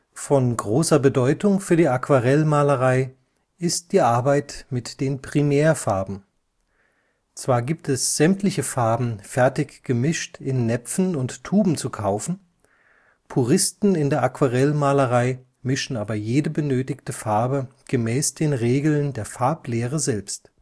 Von großer Bedeutung für die Aquarellmalerei ist die Arbeit mit den Primärfarben. Zwar gibt es sämtliche Farben fertig gemischt in Näpfen und Tuben zu kaufen, Puristen in der Aquarellmalerei mischen aber jede benötigte Farbe gemäß den Regeln der Farblehre selbst